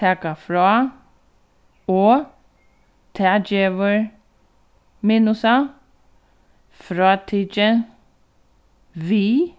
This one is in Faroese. taka frá og tað gevur minusa frátikið við